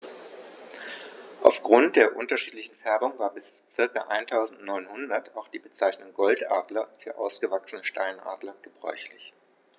Auf Grund der unterschiedlichen Färbung war bis ca. 1900 auch die Bezeichnung Goldadler für ausgewachsene Steinadler gebräuchlich.